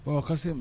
Bɔnka se